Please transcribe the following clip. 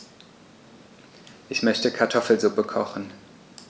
Ich möchte Kartoffelsuppe kochen.